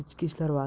ichki ishlar vaziri